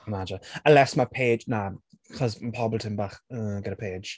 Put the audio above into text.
Imagine. Unless ma' Paige... na, achos ma' pobl tipyn bach yn mmm, gyda Paige.